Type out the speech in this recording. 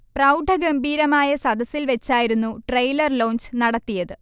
പ്രൗഢഗംഭീരമായ സദസ്സിൽ വെച്ചായിരുന്നു trailer launch നടത്തിയത്